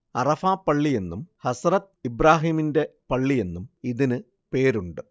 അറഫാ പള്ളിയെന്നും ഹസ്രത്ത് ഇബ്രാഹീമിന്റെ പള്ളിയെന്നും ഇതിനു പേരുണ്ട്